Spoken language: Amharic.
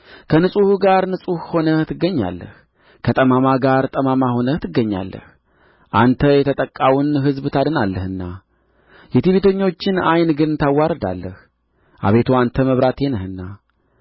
ከንጹሕ ጋር ንጹሕ ሆነህ ትገኛለህ ከጠማማም ጋር ጠማማ ሆነህ ትገኛለህ አንተ የተጠቃውን ሕዝብ ታድናለህና የትዕቢተኞችን ዓይን ግን ታዋርዳለህ አቤቱ አንተ መብራቴ ነህና